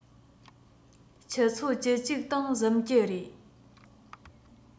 ཆུ ཚོད བཅུ གཅིག སྟེང གཟིམ གྱི རེད